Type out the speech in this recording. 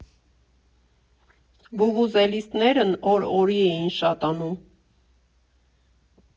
Վուվուզելիստներն օր օրի էին շատանում.